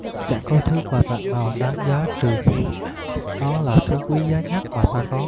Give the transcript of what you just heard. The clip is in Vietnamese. chẳng có thứ quà tặng nào đáng giá trừ khi nó là thứ quý giá nhất mà ta có